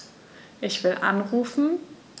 Ich will anrufen.